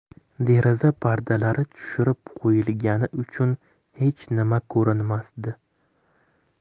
deraza pardalari tushirib qo'yilgani uchun hech nima ko'rinmasdi